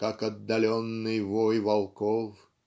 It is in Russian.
как отдаленный вой волков"